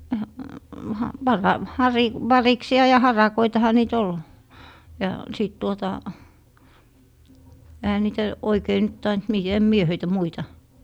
--- variksia ja harakoitahan niitä oli ja sitten tuota eihän niitä oikein nyt tainnut - en minä heitä muita